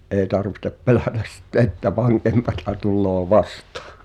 ei tarvitse pelätä sitten että vankempaa tulee vastaan